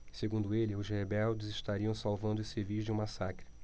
segundo ele os rebeldes estariam salvando os civis de um massacre